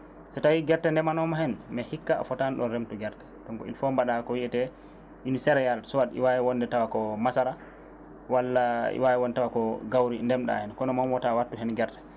so tawi gerte ndemanoma heen mais hikka a fotani remtu ɗon gerte il faut mbaɗa ko wiyete une céréale soit ɗi wawi wonde tawa ko masara walla ɗi wawi woon tawko gawri ndemɗa heen kono moom wota wattu heen gerte